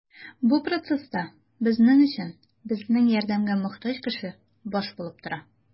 Бу процесста безнең өчен безнең ярдәмгә мохтаҗ кеше баш булып тора.